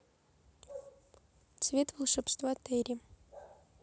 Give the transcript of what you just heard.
цвет волшебства терри